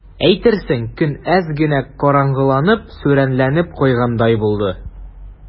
Әйтерсең, көн әз генә караңгыланып, сүрәнләнеп куйгандай булды.